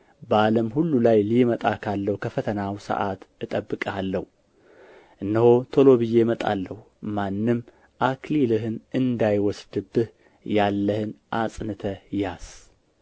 በዓለም ሁሉ ላይ ሊመጣ ካለው ከፈተናው ሰዓት እጠብቅሃለሁ እነሆ ቶሎ ብዬ እመጣለሁ ማንም አክሊልህን እንዳይወስድብህ ያለህን አጽንተህ ያዝ